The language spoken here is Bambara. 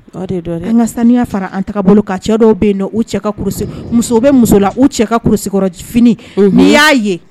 O de don dɛ, an ka saniya fara an tagabolo ka cɛ dɔw bɛ yen cɛ cɛ ka kurusi, muso bɛ muso la u cɛ ka kurusikɔrɔfini, n'i y'a ye